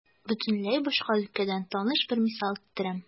Бөтенләй башка өлкәдән таныш бер мисал китерәм.